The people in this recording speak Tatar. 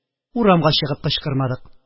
Урамга чыгып кычкырмадык